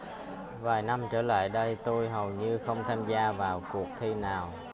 vài năm trở lại đây tôi hầu như không tham gia vào cuộc thi nào